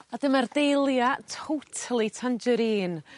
A dyma'r dahlia totaly tangerine